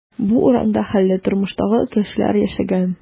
Бу урамда хәлле тормыштагы кешеләр яшәгән.